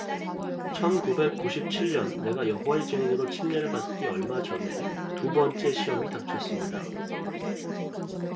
천 구백 구십 칠 년 내가 여호와의 증인으로 침례를 받기 얼마 전에 두 번째 시험이 닥쳤습니다